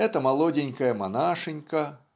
эта молоденькая монашенка